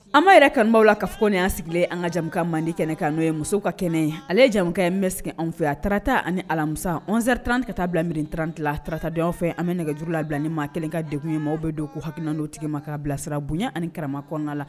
An ma yɛrɛ kanbaww la k kaa fɔ' sigilen an kaja ka mandendi kɛnɛ kan n'o ye musow ka kɛnɛ ye ale ye jamana in bɛ sigi anw fɛ a taarata ani alamisa zete tanti ka taa bila mirin ta la tratadenw fɛ an bɛ nɛgɛj juru labila ni maa kelen ka deg ye maaw bɛ don ko halinadɔ tigima k bilasira bonya ani ni karama kɔnɔna la